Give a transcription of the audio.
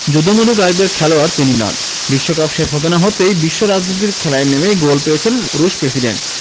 যদু মধু টাইপের খেলোয়াড় তিনি নন বিশ্বকাপ শেষে হতে না হতেই বিশ্ব রাজনীতির খেলায় নেমেই গোল পেয়েছেন রুশ প্রেসিডেন্ট